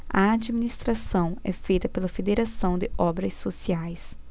a administração é feita pela fos federação de obras sociais